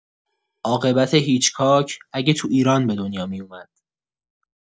عاقبت هیچکاک، اگه تو ایران به دنیا میومد!